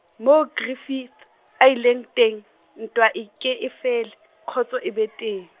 moo Griffith a ileng teng ntwa e ke e fele, kgotso e be teng.